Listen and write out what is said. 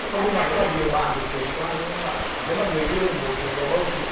không nhưng mà nếu mà nhiều bạn thì phí quá đúng hông ạ nếu mà người yêu thì một chú gấu bông thì